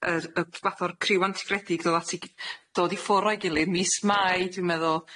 yr yy fath o'r criw antigredig ddod at 'i gi- dod i ffwr' o'i gilydd mis Mai dwi'n meddwl